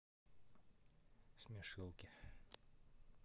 смешилки